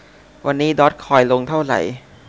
วันนี้ดอร์จคอยลงเท่าไหร่